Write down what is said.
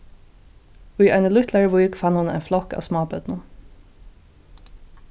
í eini lítlari vík fann hon ein flokk av smábørnum